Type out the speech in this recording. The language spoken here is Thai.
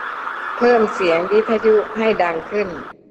เพิ่มเสียงวิทยุให้ดังขึ้น